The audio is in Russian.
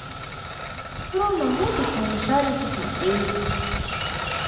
рома будет малышарики смотреть